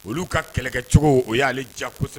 Olu ka kɛlɛkɛcogo o y'aale ja kosɛbɛ